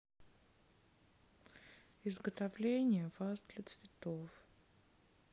изготовление ваз для цветов